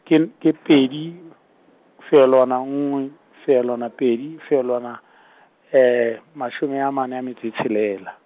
ke n- ke pedi, feelwane nngwe, feelwane pedi, feelwane , mashome a mane a metso e tshelela.